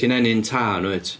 Ti'n ennyn tân, wyt?